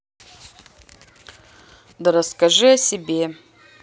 да расскажи о себе